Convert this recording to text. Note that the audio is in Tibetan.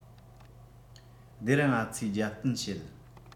སྡེ ར ང ཚོས རྒྱབ རྟེན བྱེད